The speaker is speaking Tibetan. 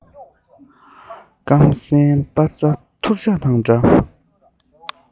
བསྐམས ཟིན པའི རྩི ཐུར ཞིག དང འདྲ